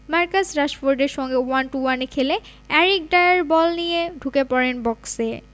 Marcus রাশফোর্ডের সঙ্গে one two ওয়ানে খেলে এরিক ডায়ার বল নিয়ে ঢুকে পড়েন বক্সে